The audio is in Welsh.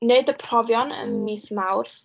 Wneud y profion ym mis Mawrth.